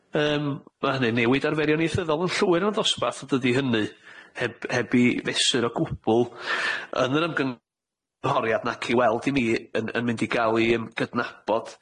Yym, ma' hynny'n newid arferion ieithyddol yn llwyr mewn dosbarth. Dydi hynny heb heb 'i fesur o gwbwl yn yr ymgynghoriad nac i weld i mi yn yn mynd i ga'l 'i yym gydnabod